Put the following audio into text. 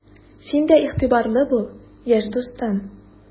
Син дә игътибарлы бул, яшь дустым!